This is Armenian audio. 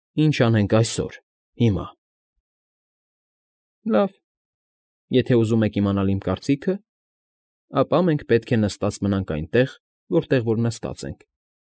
Ի՞նչ անենք այսօր, հիմա։ ֊ Լավ, եթե ուզում եք իմանալ իմ կարծիքը, ապա մենք պետք է նստած մնանք այնտեղ, որտեղ որ նստած ենք։